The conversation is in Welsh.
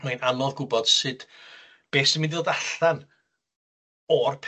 Mae'n anodd gwbod sut be' sy mynd i ddod allan o'r